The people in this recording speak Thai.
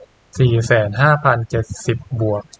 สี่แสนห้าพันเจ็ดสิบบวก